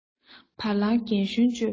བ ལང རྒན གཞོན དཔྱོད པ ལ